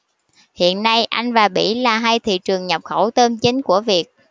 hiện nay anh và bỉ là hai thị trường nhập khẩu tôm chính của việt